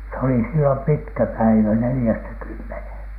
se oli silloin pitkä päivä neljästä kymmeneen